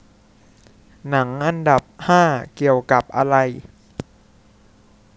หนังอันดับห้าเกี่ยวกับอะไร